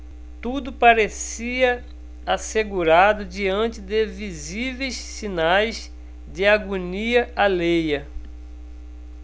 tudo parecia assegurado diante de visíveis sinais de agonia alheia